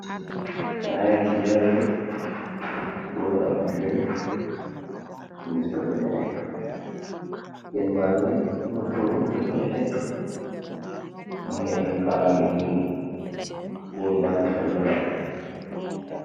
Naayé gi ci ñaaru nit góor ak jigéen ngi sollu nete genn ba ngi mu sóoru mu sorgu nete mu ngi amekaala bu nuwul góor ba ngi sollo lunet